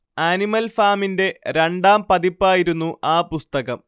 animal ഫാമിന്റെ രണ്ടാം പതിപ്പായിരുന്നു ആ പുസ്തകം